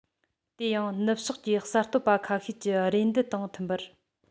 དེ ཡང ནུབ ཕྱོགས ཀྱི གསར འགོད པ ཁ ཤས ཀྱི རེ འདུན དང མཐུན པར